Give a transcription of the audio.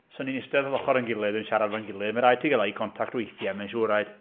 'San ni'n eistedd wrth ochr ein gilydd yn siarad efo'n gilydd. Mae'n rhaid ti gael eye contact weithiau mae'n siwr rhaid.